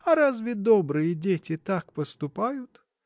А разве добрые дети так поступают?